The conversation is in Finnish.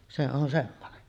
se on semmoinen